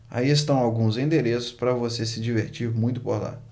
aí estão alguns endereços para você se divertir muito por lá